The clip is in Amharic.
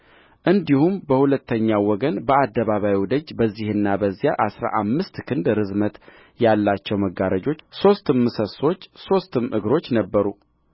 እንዲሁም በሁለተኛው ወገን በአደባባዩ ደጅ በዚህና በዚያ አሥራ አምስት ክንድ ርዝመት ያላቸው መጋረጆች ሦስትም ምሰሶች ሦስትም እግሮች ነበሩ